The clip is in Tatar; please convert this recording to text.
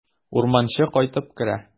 Урманчы кайтып керә.